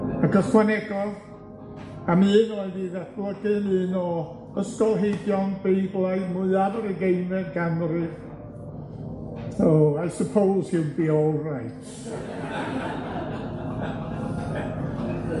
Ac ychwanegodd am un oedd i ddatblygu'n un o ysgolheigion Beiblaidd mwyaf yr ugeinfed ganrif. Oh, I suppose he'll be all right.